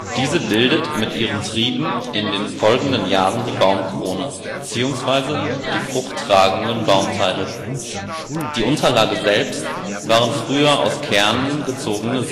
Diese bildet mit ihren Trieben in den folgenden Jahren die Baumkrone bzw. die fruchttragenden Baumteile. Die Unterlagen selbst waren früher aus Kernen gezogene